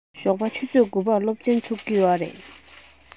ཞོགས པ ཆུ ཚོད དགུ པར སློབ ཚན ཚུགས ཀྱི ཡོད རེད